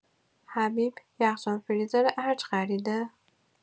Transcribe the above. حبیب یخچال فریزر ارج خریده؟